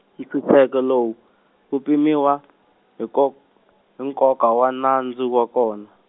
ntshunxeko lowu, wu pimiwa, hi nko- hi nkoka wa nandzu wa kona.